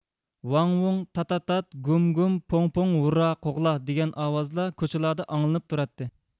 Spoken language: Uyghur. ۋاڭ ۋۇڭ تا تا تات گوم گۇم پوڭ پوڭ ھۇررا قوغلا دىگەن ئاۋازلار كوچىلاردا ئاڭلىنىپ تۇراتتى